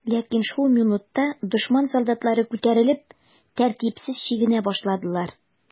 Ләкин шул минутта дошман солдатлары күтәрелеп, тәртипсез чигенә башладылар.